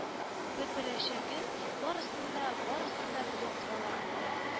Бетерәчәген— барысын да, барысын да белеп торалар монда